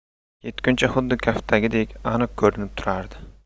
ketguncha xuddi kaftdagidek aniq ko'rinib turardi